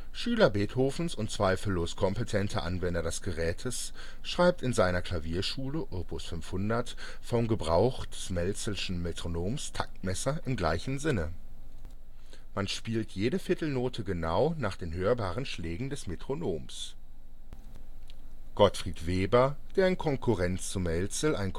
Schüler Beethovens und zweifellos kompetenter Anwender des Gerätes, schreibt in seiner Klavierschule op. 500, " Vom Gebrauch des Mälzel'schen Metronoms (Taktmessers) " im gleichen Sinne: „ man spielt jede Viertelnote genau nach den hörbaren Schlägen des Metronoms. “Gottfried Weber, der in Konkurrenz zu Mälzel ein kostenloses